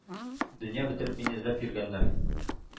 Дөнья бетереп мине эзләп йөргәннәр.